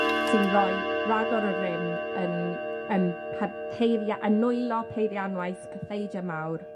sy'n roi rhagor o rym yn yn pa- peiria- yn nwylo peirianwaith y pleidie mawr.